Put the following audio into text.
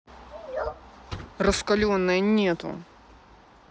раскаленная нету